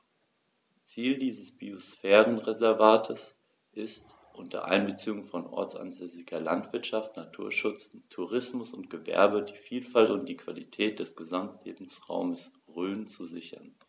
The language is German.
Ziel dieses Biosphärenreservates ist, unter Einbeziehung von ortsansässiger Landwirtschaft, Naturschutz, Tourismus und Gewerbe die Vielfalt und die Qualität des Gesamtlebensraumes Rhön zu sichern.